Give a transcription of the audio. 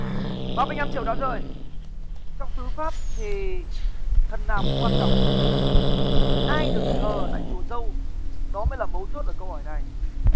ba mươi nhăm triệu đã rơi trong tư pháp thì thần nào cũng quan trọng nhưng ai được thờ tại chùa dâu đó mới là mấu chốt là câu hỏi này